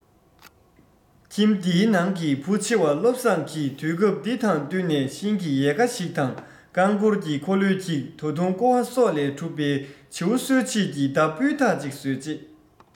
ཁྱིམ འདིའི ནང གི བུ ཆེ བ བློ བཟང གིས དུས སྐབས འདི དང བསྟུན ནས ཤིང གི ཡལ ག ཞིག དང རྐང འཁོར གྱི འཁོར ལོའི འགྱིག ད དུང ཀོ བ སོགས ལས གྲུབ པའི བྱིའུ གསོད བྱེད ཀྱི མདའ སྤུས དག ཅིག བཟོས རྗེས